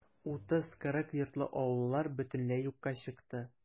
30-40 йортлы авыллар бөтенләй юкка чыкты.